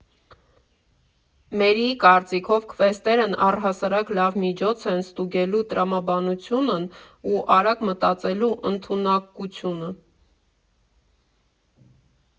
Մերիի կարծիքով՝ քվեսթերն առհասարակ լավ միջոց են ստուգելու տրամաբանությունն ու արագ մտածելու ընդունակությունը.